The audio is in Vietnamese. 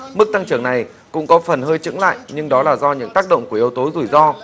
mức tăng trưởng này cũng có phần hơi chững lại nhưng đó là do những tác động của yếu tố rủi ro